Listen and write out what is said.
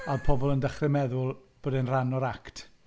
A oedd pobl yn dechrau meddwl bod e'n rhan o'r act.